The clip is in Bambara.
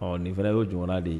Ɔ nin fana y'o jamanana de ye